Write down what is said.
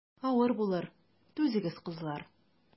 Авыр булыр, түзегез, кызлар.